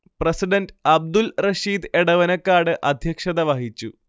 president Abdul Rashid Edavanakkad അധ്യക്ഷത വഹിച്ചു